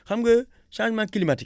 xam nga changement climatique